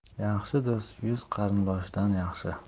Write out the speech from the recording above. yaxshi do'st yuz qarindoshdan yaxshi